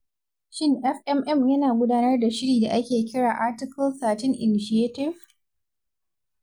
Shin FMM ma yana gudanar da shiri da ake kira '' Article 13 Initiative''?